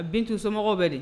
A bin tun somɔgɔw bɛ de